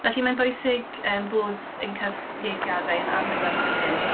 Felly, mae'n bwysig yym bod ein cyfieithiadau yn adlewyrchu hyn.